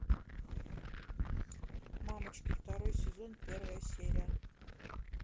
мамочки второй сезон первая серия